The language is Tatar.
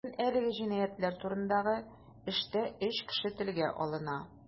Бүген әлеге җинаятьләр турындагы эштә өч кеше телгә алына.